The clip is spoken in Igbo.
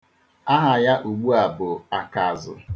Aha ya ugbua a bụ akaazụ.